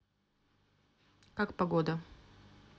как погода